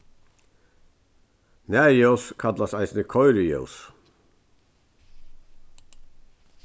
nærljós kallast eisini koyriljós